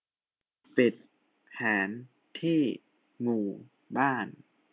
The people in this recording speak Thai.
ปิดแผนที่หมู่บ้าน